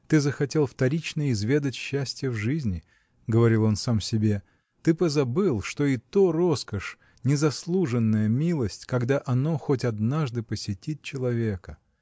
-- Ты захотел вторично изведать счастья в жизни, -- говорил он сам себе, -- ты позабыл, что и то роскошь, незаслуженная, милость, когда оно хоть однажды посетит человека.